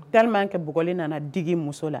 Tellement bugɔli nana digi muso la.